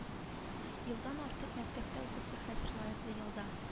Елдан артык мәктәптә укытты хәзер лаеклы ялда